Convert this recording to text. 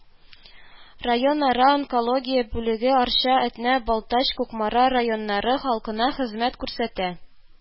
Районара онкология бүлеге Арча, Әтнә, Балтач, Кукмара районнары халкына хезмәт күрсәтә